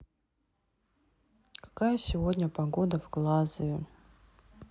какая сегодня погода в глазове